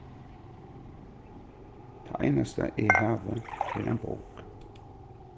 tað einasti eg havi er ein bók